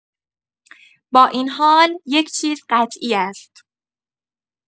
با این حال، یک چیز قطعی است.